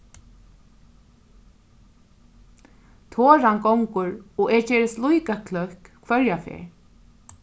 toran gongur og eg gerist líka kløkk hvørja ferð